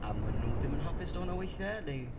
a- a mae nhw ddim yn hapus 'da hwnna weithiau. Neu...